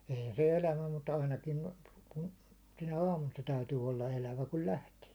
eihän se elävä mutta ainakin kun sinä aamuna se täytyy olla elävä kun lähtee